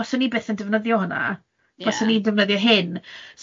byswn i byth yn defnyddio hwnna... Ie ...byswn i'n defnyddio hyn.